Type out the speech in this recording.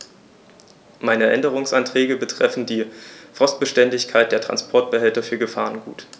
Meine Änderungsanträge betreffen die Frostbeständigkeit der Transportbehälter für Gefahrgut.